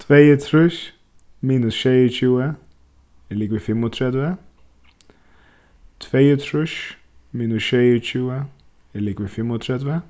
tveyogtrýss minus sjeyogtjúgu er ligvið fimmogtretivu tveyogtrýss minus sjeyogtjúgu er ligvið fimmogtretivu